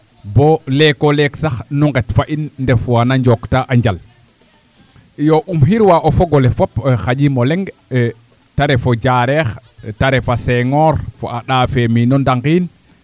boo leeko leek sax nu nqet fa in ndef wana njookta a njal iyo um xirwa o fog ole fop xaƴiim o leŋ te ref o Diarekh te ref a Senghor fo a Ndafeni o Ndangiin